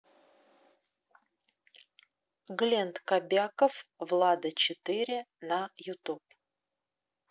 глент кобяков влада четыре на ютуб